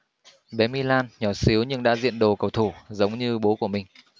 bé milan nhỏ xíu nhưng đã diện đồ cầu thủ giống như bố của mình